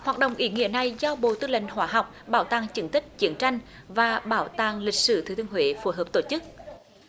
hoạt động ý nghĩa này do bộ tư lệnh hóa học bảo tàng chứng tích chiến tranh và bảo tàng lịch sử thừa thiên huế phối hợp tổ chức